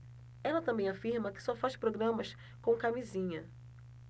ela também afirma que só faz programas com camisinha